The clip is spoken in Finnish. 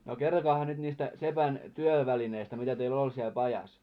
no kertokaahan nyt niistä sepän työvälineistä mitä teillä oli siellä pajassa